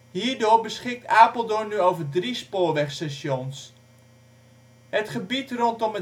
Hierdoor beschikt Apeldoorn nu over drie spoorwegstations. Het gebied rondom